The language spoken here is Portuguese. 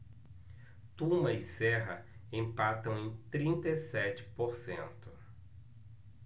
tuma e serra empatam em trinta e sete por cento